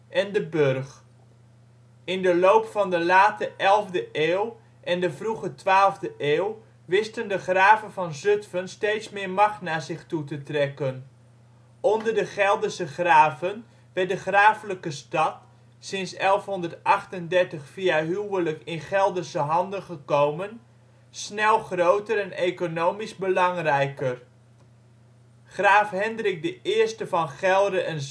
en de burg. In de loop van de late 11e eeuw en de vroege 12e eeuw wisten de graven van Zutphen steeds meer macht naar zich toe te trekken. Onder de Gelderse graven werd de grafelijke stad (sinds 1138 via huwelijk in Gelderse handen gekomen) snel groter en economisch belangrijker. Graaf Hendrik I van Gelre en Zutphen